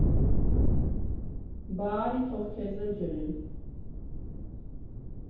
Բա արի թող քեզ էլ ջրեն։